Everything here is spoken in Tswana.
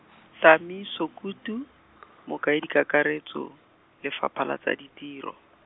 Tami Sokutu , mokaedi kakaretso, Lefapha la tsa Ditiro.